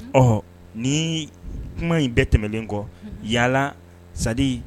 Ɔhɔ ni kuma in bɛɛ tɛmɛnen kɔ yala c'est à dire